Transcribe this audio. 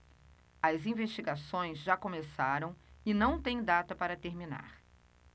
as investigações já começaram e não têm data para terminar